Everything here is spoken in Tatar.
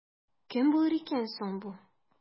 Кем булыр икән соң бу?